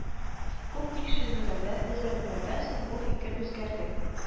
Күп тикшеренүләрдән, эзләнүләрдән соң бу фикер үзгәрде